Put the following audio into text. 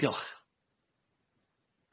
Diolch.